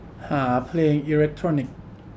หาเพลงอิเลกโทรนิค